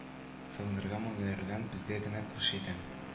Сагынырга моңаерга безгә генә куш инде